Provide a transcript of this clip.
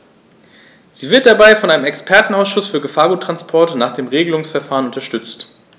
Sie wird dabei von einem Expertenausschuß für Gefahrguttransporte nach dem Regelungsverfahren unterstützt.